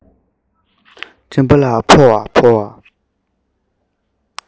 མགྲིན པ ལ ཕོ བ ཕོ བ